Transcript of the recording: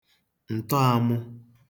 ǹtọāmụ̄